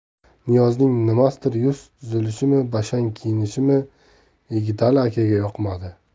niyozning nimasidir yuz tuzilishimi bashang kiyinishimi yigitali akaga yoqmadi